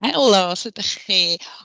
Helo, sut dach chi?